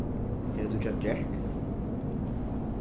hevur tú keypt gekk